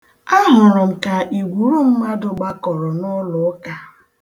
Ahụrụ m ka igwuru mmadụ gbakọrọ n'ụlọụka.